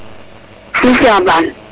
mi Thiaban